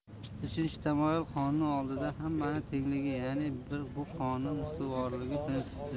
uchinchi tamoyil qonun oldida hammaning tengligi ya'ni bu qonun ustuvorligi prinsipidir